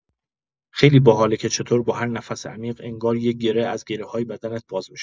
خیلی باحاله که چطور با هر نفس عمیق، انگار یه گره از گره‌های بدنت باز می‌شه.